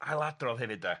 ailadrodd hefyd de.